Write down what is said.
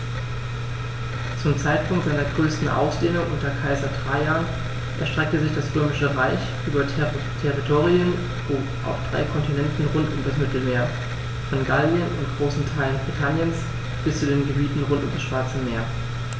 Zum Zeitpunkt seiner größten Ausdehnung unter Kaiser Trajan erstreckte sich das Römische Reich über Territorien auf drei Kontinenten rund um das Mittelmeer: Von Gallien und großen Teilen Britanniens bis zu den Gebieten rund um das Schwarze Meer.